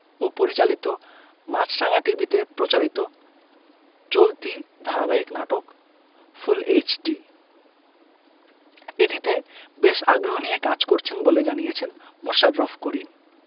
ও পরিচালিত মাছরাঙা টিভিতে প্রচার চলতি ধারাবাহিক নাটক ফুল এইচডি এটিতে বেশ আগ্রহ নিয়ে কাজ করছেন বলে জানিয়েছেন মোশাররফ করিম